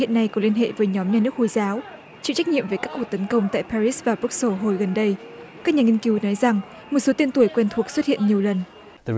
hiện nay cô liên hệ với nhóm nhà nước hồi giáo chịu trách nhiệm về các cuộc tấn công tại pa rít và bức xồ hồi gần đây các nhà nghiên cứu nói rằng một số tên tuổi quen thuộc xuất hiện nhiều lần